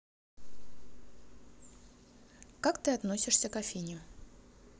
как ты относишься к афине